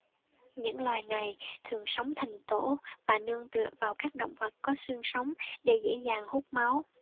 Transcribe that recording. những loài này thường sống thành tổ và nương tựa vào các động vật có xương sống để dễ dàng hút máu